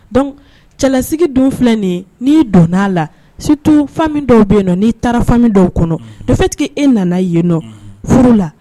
Donc cɛlasigi dun filɛ nin ye n'i donn'a la surtout famille dɔw be yennɔ n'i taara famille dɔw kɔnɔ unhun de fait que e nana yennɔ unhun furu la